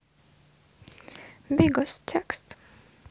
бигос текст